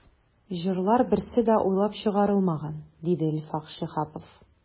“җырлар берсе дә уйлап чыгарылмаган”, диде илфак шиһапов.